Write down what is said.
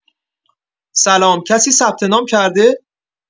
سلام کسی ثبت‌نام کرده؟